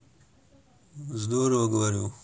здорово говорю